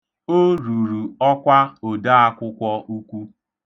O ruru ọkwa Odaakwụkwọ Ukwu.